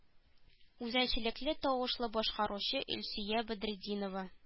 Үзенчәлекле тавышлы башкаручы илсөя бәдретдинова